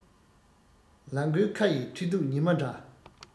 ལ མགོའི ཁ ཡི ཁྲི གདུགས ཉི མ འདྲ